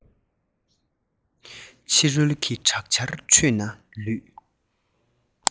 ཕྱི རོལ གྱི དྲག ཆར ཁྲོད ན ལུས